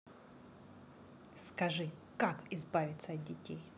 скажи как избавиться от детей